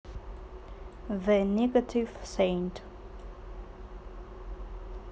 the negative saint